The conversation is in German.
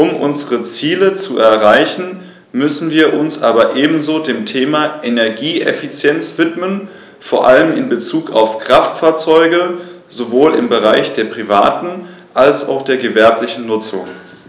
Um unsere Ziele zu erreichen, müssen wir uns aber ebenso dem Thema Energieeffizienz widmen, vor allem in Bezug auf Kraftfahrzeuge - sowohl im Bereich der privaten als auch der gewerblichen Nutzung.